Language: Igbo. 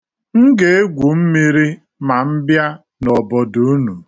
M ga-egwu mmiri ma m bịa na obodo unu.